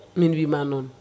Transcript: mi wiima noon